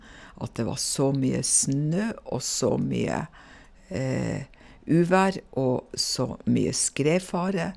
At det var så mye snø og så mye uvær og så mye skredfare.